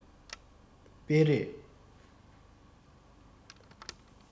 སྤེལ རེས